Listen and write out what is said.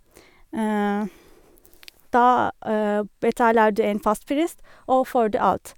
Da betaler du en fastpris, og får du alt.